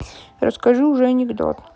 расскажи уже анекдот